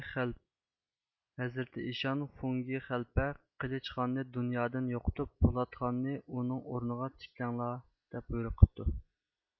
ھەزرىتى ئىشان فوڭگى خەلىپە قىلىچ خاننى دۇنيادىن يوقىتىپ پولات خاننى ئۇنىڭ ئورنىغا تىكلەڭلار دەپ بۇيرۇق قىپتۇ